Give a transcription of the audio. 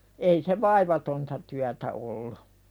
ei se vaivatonta työtä ollut